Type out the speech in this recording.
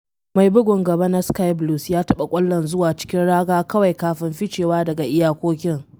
Mai bugun gaban na Sky Blues ya taɓa ƙwallon zuwa cikin raga kawai kafin ficewa daga iyakokin.